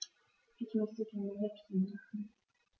Ich möchte gerne Häppchen machen.